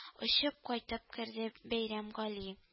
Очып кайтып керде бәйрәмгали